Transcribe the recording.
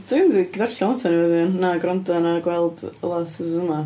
Dwi ddim 'di darllan lot ar newyddion na gwrando na gweld lot wsos yma.